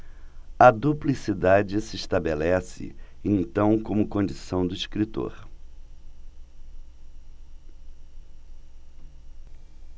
a duplicidade se estabelece então como condição do escritor